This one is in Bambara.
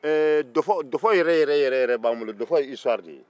ɛɛ dɔfɔ dɔfɔ yɛrɛyɛrɛ b'an bolo dɔfɔ ye histoire de ye